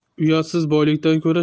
uyatsiz boylikdan ko'ra